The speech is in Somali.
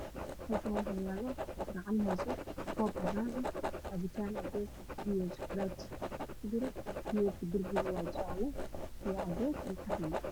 Halkaan waxaa yaalo gacan hayso koob cadaan ah